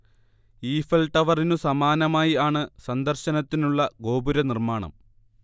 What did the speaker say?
Eiffel ടവറിനു സമാനമായി ആണ് സന്ദര്ശനത്തിനുള്ള ഗോപുര നിർമാണം